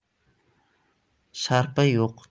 sharpa yo'q